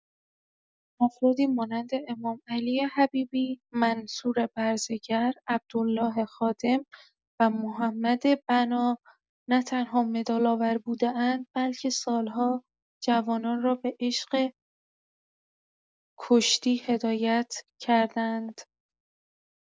افرادی مانند امامعلی حبیبی، منصور برزگر، عبدالله خادم و محمد بنا نه‌تنها مدال‌آور بوده‌اند بلکه سال‌ها جوانان را به عشق کشتی هدایت کرده‌اند.